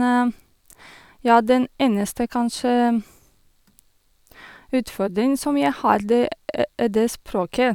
Ja, den eneste, kanskje, utfordring som jeg har, det er det språket.